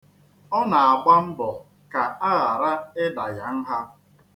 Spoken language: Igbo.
Ọ na-agba mbọ ka a ghara ịda ya nha.